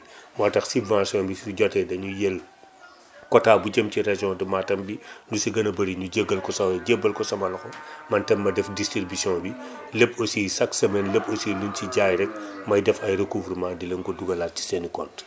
moo tax subvention bi su jotee dañuy jël quota bu jëm ci région de Matam bi lu si gën a bëri ñu jébbal ko sama jébbal ko sama loxo man itam ma def distribution bi lépp aussi chaque semaine lépp aussi lu ñu si jaay rek may def ay recouvrement di leen ko dugalaat ci seen i comptes